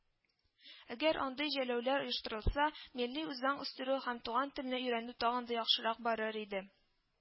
Әгәр андый җәйләүләр оештырылса, милли үзаң үстерү һәм туган телне өйрәнү тагы да яхшырак барыр иде